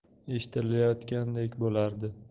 eshitilayotgandek bo'lardi